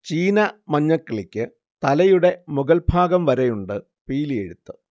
ചീന മഞ്ഞക്കിളിക്ക് തലയുടെ മുകൾഭാഗം വരെയുണ്ട് പീലിയെഴുത്ത്